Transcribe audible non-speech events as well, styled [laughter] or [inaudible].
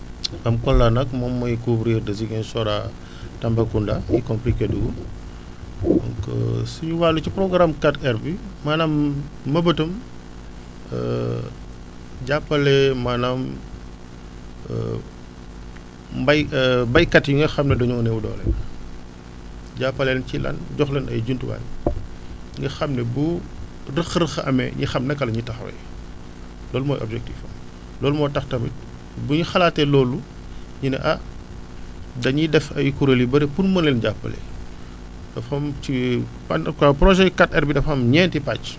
[smacks lips] PAM Kolda nag moom mooy couvrir de Ziguinchor à Tambacounda [noise] y compris Kédougou [noise] donc [hesitation] suñu wàll ci programme 4R bi maanaam mbëbëtam [hesitation] jàppale maanaam [hesitation] mbay [hesitation] béykat yi nga xam ne dañoo néew doole jàppale leen ci lan jox leen ay jumtuwaay [noise] nga xam ne bu rëq-rëq amee ñu xam naka la ñuy taxawee loolu mooy objectif am loolu moo tax tamit bu ñu xalaatee loolu ñu ne ah dañuy def ay kuréel yu bëri pour mën leen jàppale dafa am ci en tout cas projet 4R bi dafa am ñeenti pàcc